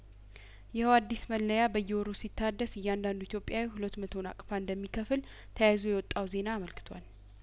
ይኸው አዲስ መለያበ የወሩ ሲታደስ እያንዳንዱ ኢትዮጵያዊ ሁለት መቶ ናቅፋ እንደሚከፍል ተያይዞ የወጣው ዜና አመልክቷል